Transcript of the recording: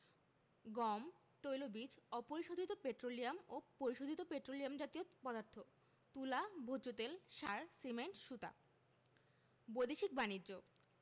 গম তৈলবীজ অপরিশোধিত পেট্রোলিয়াম ও পরিশোধিত পেট্রোলিয়াম জাতীয় পদার্থ তুলা ভোজ্যতেল সার সিমেন্ট সুতা বৈদেশিক বাণিজ্যঃ